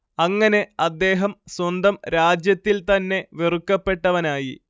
അങ്ങനെ അദ്ദേഹം സ്വന്തം രാജ്യത്തിൽ തന്നെ വെറുക്കപ്പെട്ടവനായി